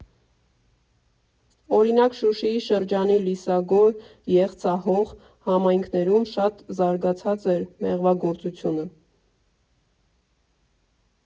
Օրինակ Շուշիի շրջանի Լիսագոր, Եղցահող համայնքներում շատ զարգացած էր մեղվագործությունը։